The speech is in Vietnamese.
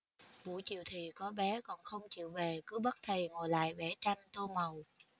buổi chiều thì có bé còn không chịu về cứ bắt thầy ngồi lại vẽ tranh tô màu